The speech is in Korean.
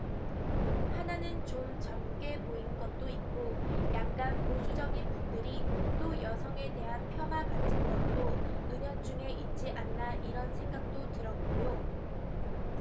하나는 좀 젊게 보인 것도 있고 약간 보수적인 분들이 또 여성에 대한 폄하 같은 것도 은연중에 있지 않나 이런 생각도 들었고요